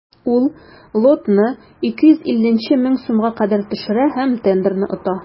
Ул лотны 250 мең сумга кадәр төшерә һәм тендерны ота.